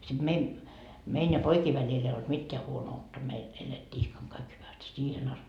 sitten meidän meidän ja poikien välillä ei ollut mitään huonoutta meillä elettiin ihkan kaikki hyvästi siihen asti